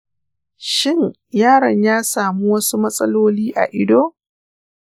shin yaron ya samu wasu matsaloli a ido?